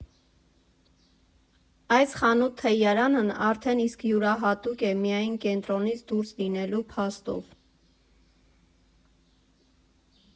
Այս խանութ֊թեյարանն արդեն իսկ յուրահատուկ է միայն Կենտրոնից դուրս լինելու փաստով.